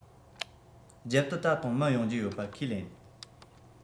རྒྱབ དུ ད དུང མི ཡོང རྒྱུ ཡོད པ ཁས ལེན